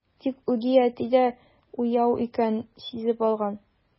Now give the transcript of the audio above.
Тик үги әти дә уяу икән, сизеп алган.